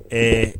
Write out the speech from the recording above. Ee